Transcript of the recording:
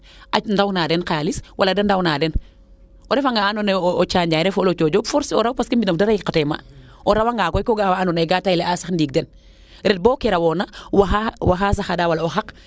a ndaw na den xalis wala de ndaw naa den o refa nga xa ando naye o canjay refo wala o cojob forcer o raw parce que mbinof dara yoqa tee ma o rawa nga koy ko ga a sax waa ando naye gaa tayele a ndiing de ret boo ke rawoona waxa saxada wala o xaq